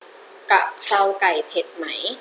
กะเพราไก่เผ็ดไหม